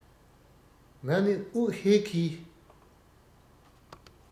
ང ནི དབུགས ཧལ གིས